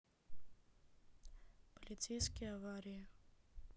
полицейские аварии